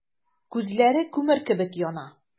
Күзләре күмер кебек яна.